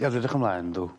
Ie dwi edrych ymlaen 'dw